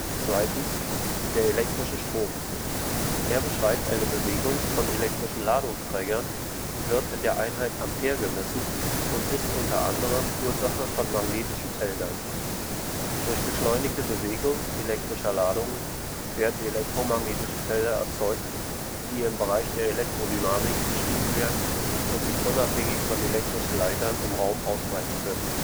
Der elektrische Strom. Er beschreibt eine Bewegung von elektrischen Ladungsträgern, wird in der Einheit Ampere gemessen und ist unter anderem Ursache von magnetischen Feldern. Durch beschleunigte Bewegung elektrischer Ladungen werden elektromagnetische Felder erzeugt, die im Bereich der Elektrodynamik beschrieben werden und sich unabhängig von elektrischen Leitern im Raum ausbreiten können